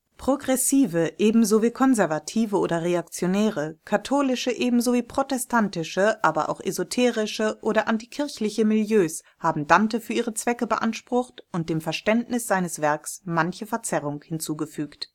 Progressive ebenso wie konservative oder reaktionäre, katholische ebenso wie protestantische, aber auch esoterische oder antikirchliche Milieus haben Dante für ihre Zwecke beansprucht und dem Verständnis seines Werkes manche Verzerrung hinzugefügt